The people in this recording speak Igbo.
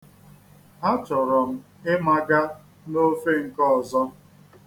Achọrọ m ịmaga n'ofe nke ọzọ.